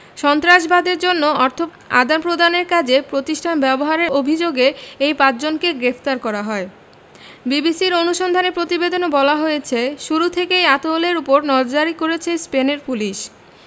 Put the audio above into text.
সন্ত্রাসবাদের জন্য অর্থ আদান প্রদানের কাজে প্রতিষ্ঠান ব্যবহারের অভিযোগে এই পাঁচজনকে গ্রেপ্তার করা হয় বিবিসির অনুসন্ধানী প্রতিবেদনে বলা হয়েছে শুরু থেকেই আতাউলের ওপর নজদারি করেছে স্পেনের পুলিশ